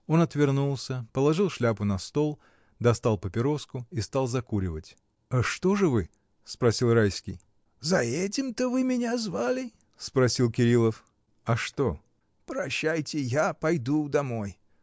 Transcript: Он отвернулся, положил шляпу на стол, достал папироску и стал закуривать. — Что же вы? — спросил Райский. — За этим-то вы меня звали? — спросил Кирилов. — А что? — Прощайте: я пойду домой.